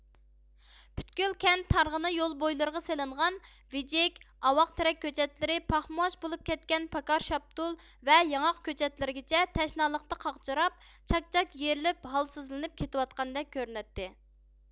پۈتكۈل كەنت تارغىنا يول بويلىرىغا سېلىنغان ۋىجىك ئاۋاق تېرەك كۆچەتلىرى پاخمىۋاش بولۇپ كەتكەن پاكار شاپتۇل ۋە ياڭاق كۆچەتلىرىگىچە تەشنالىقتا قاغجىراپ چاك چاك يېرىلىپ ھالسىزلىنىپ كېتىۋاتقاندەك كۆرۈنەتتى